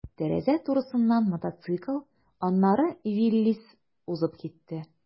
Тәрәзә турысыннан мотоцикл, аннары «Виллис» узып китте.